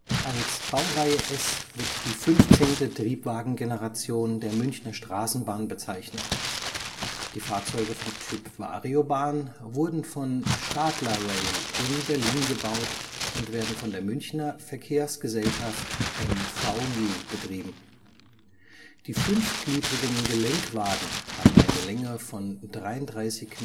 Als Baureihe S wird die 15. Triebwagen-Generation der Münchner Straßenbahn bezeichnet. Die Fahrzeuge vom Typ Variobahn wurden von Stadler Rail in Berlin gebaut und werden von der Münchner Verkehrsgesellschaft (MVG) betrieben. Die fünfgliedrigen Gelenkwagen haben eine Länge von 33,94